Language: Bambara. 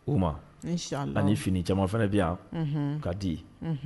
U ma an ni fini jama fana bi yan ka di